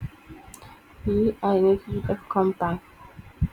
Li ay nit yu def kompan.